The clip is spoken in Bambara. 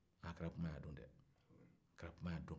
aa a kɛra kuma y'a don a kɛra kuma y'a don